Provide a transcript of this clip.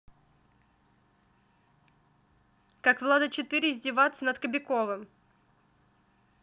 как влада четыре издевается над кобяковым